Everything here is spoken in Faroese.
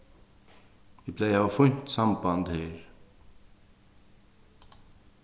eg plagi at hava fínt samband her